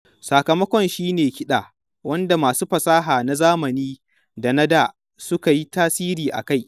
Sakamakon shi ne kiɗa, wanda masu fasaha na zamani da na da suka yi tasiri a kai.